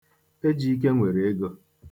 Ejike nwere ego.